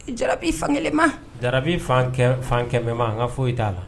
Da fankelenma dabi fan fan kɛmɛmɛ ma an n ka foyi t'a la